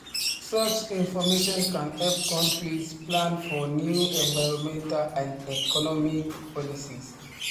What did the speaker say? Such information can help countries plan for new environmental and economic policies.